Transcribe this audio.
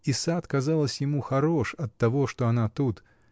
И сад, казалось ему, хорош оттого, что она тут.